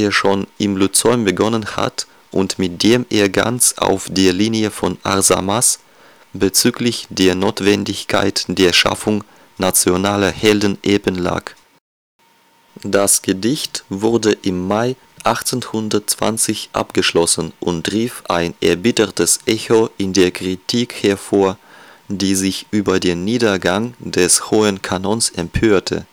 schon im Lyzeum begonnen hat und mit dem er ganz auf der Linie von Arsamas bezüglich der Notwendigkeit der Schaffung nationaler Heldenepen lag. Das Gedicht wurde im Mai 1820 abgeschlossen und rief ein erbittertes Echo in der Kritik hervor, die sich über den Niedergang des Hohen Kanons empörte